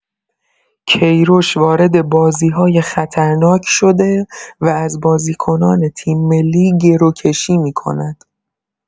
کیروش وارد بازی‌های خطرناک شده و از بازیکنان تیم‌ملی گروکشی می‌کند!